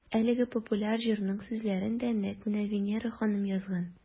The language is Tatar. Әлеге популяр җырның сүзләрен дә нәкъ менә Винера ханым язган.